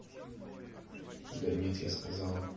да нет я сказала